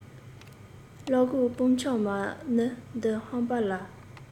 བརླག གཞུག སྤྲང འཁྱམས མ མི འདིའི ཧམ པ ལ